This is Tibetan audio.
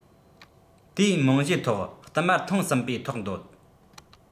དེའི རྨང གཞིའི ཐོག བསྟུད མར ཐེངས གསུམ པའི ཐོག འདོད